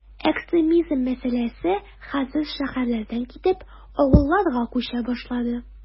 Экстремизм мәсьәләсе хәзер шәһәрләрдән китеп, авылларга “күчә” башлады.